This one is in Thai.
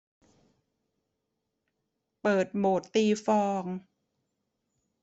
เปิดโหมดตีฟอง